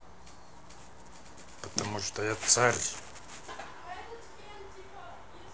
потому что я царь